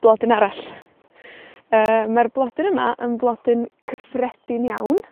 Blodyn arall. Yy ma'r blodyn yma yn flodyn cyffredin iawn.